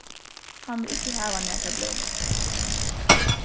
hann vil ikki hava nakrar blómur